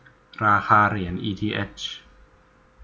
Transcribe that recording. ราคาเหรียญอีทีเฮช